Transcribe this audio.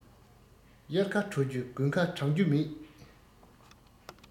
དབྱར ཁ དྲོ རྒྱུ དགུན ཁ གྲང རྒྱུ མེད